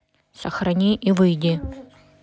сохрани и выйди